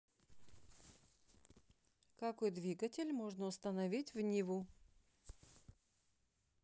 какой двигатель можно установить в ниву